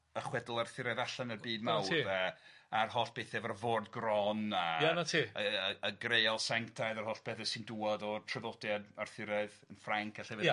y chwedl Arthuraidd allan y byd mawr... 'Na ti. ...de a'r holl bethe efo'r Ford Gron a... Ie, 'na ti. ..yy yy y grael sanctaidd, yr holl bethe sy'n dŵad o'r traddodiad Arthuraidd yn Ffrainc a llefydd... Ia.